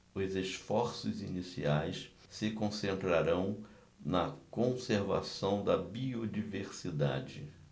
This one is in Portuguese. os esforços iniciais se concentrarão na conservação da biodiversidade